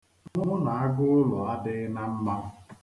Mụ na agụụlọ adịghị na mma.